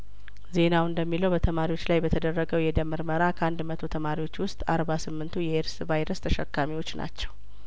ዜናው እንደሚለው በተማሪዎች ላይ በተደረገው የደም ምርመራ ከአንድ መቶ ተማሪዎች ውስጥ አርባ ስምንቱ የኤድስ ቫይረስ ተሸካሚዎች ናቸው